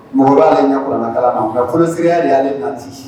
Mɔgɔ b'ale ɲɛ kuranɛ kalan na wo nka funesiraya de y'ale nati.